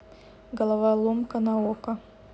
головоломка наока